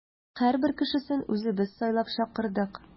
Һәрбер кешесен үзебез сайлап чакырдык.